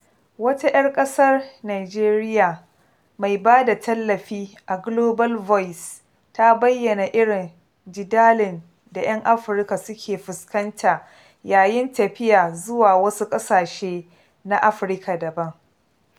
Wata 'yar ƙasar Nijeriya mai ba da tallafi a Global Voice ta bayyana irin "jidalin da 'yan Afirka suke fuskanta yayin tafiya zuwa wasu ƙasashen na Afirka daban".